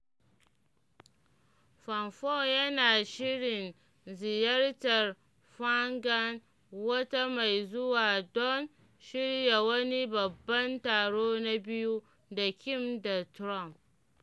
Pompeo yana shirin ziyartar Pyongyang wata mai zuwa don shirya wani babban taro na biyu da Kim da Trump.